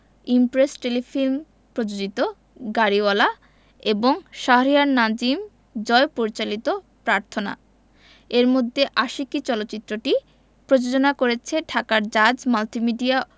Impress Telefilm প্রযোজিত গাড়িওয়ালা এবং শাহরিয়ার নাজিম জয় পরিচালিত প্রার্থনা এর মধ্যে আশিকী চলচ্চিত্রটি প্রযোজনা করছে ঢাকার জাজ মাল্টিমিডিয়া